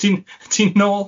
Ti'n ti'n nôl.